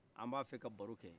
an ba fɛ ka baro kɛ